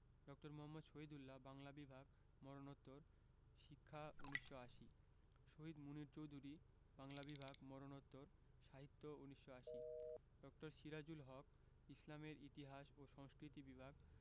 ড. মুহম্মদ শহীদুল্লাহ বাংলা বিভাগ মরণোত্তর শিক্ষা ১৯৮০ শহীদ মুনীর চৌধুরী বাংলা বিভাগ মরণোত্তর সাহিত্য ১৯৮০ ড. সিরাজুল হক ইসলামের ইতিহাস ও সংস্কৃতি বিভাগ